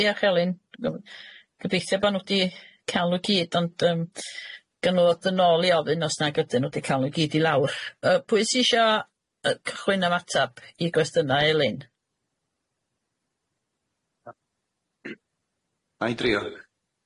Diolch Elin, gobeithio bo' n'w di ca'l n'w gyd ond yym ga' n'w ddod yn ôl i ofyn os nag ydyn n'w di ca'l n'w gyd i lawr yy pwy sy isio yy cychwyn am atab i gwestynnau Elin? Nai drio.